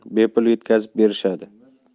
uchun bepul yetkazib berishadi